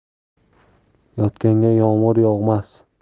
yotganga yomg'ir yog'mas